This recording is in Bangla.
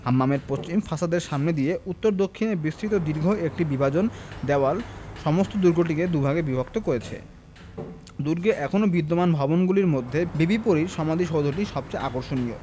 হাম্মামের পশ্চিম ফাসাদের সামনে দিয়ে উত্তর দক্ষিণে বিস্তৃত দীর্ঘ একটি বিভাজন দেওয়াল সমস্ত দুর্গটিকে দুভাগে বিভক্ত করেছে দুর্গে এখনও বিদ্যমান ভবনগুলির মধ্যে বিবি পরীর সমাধিসৌধটি সবচেয়ে আকর্ষণীয়